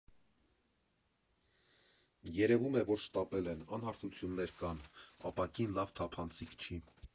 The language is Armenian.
Երևում է, որ շտապել են՝ անհարթություններ կան, ապակին լավ թափանցիկ չի։